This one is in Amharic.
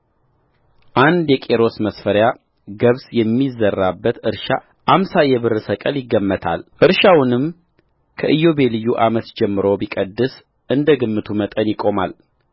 አንድ የቆሮስ መስፈሪያ ገብስ የሚዘራበት እርሻ አምሳ የብር ሰቅል ይገመታልእርሻውንም ከኢዮቤልዩ ዓመት ጀምሮ ቢቀድስ እንደ ግምቱ መጠን ይቆማል